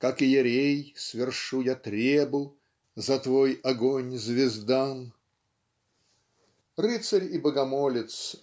Как иерей, свершу я требу За твой огонь звездам. Рыцарь и богомолец